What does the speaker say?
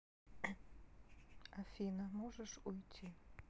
афина можешь уйти